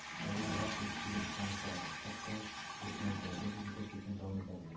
bolalar vaqt o'tishiga ishonishadi hatto o'tmaydilar lekin juda sekin davom etadilar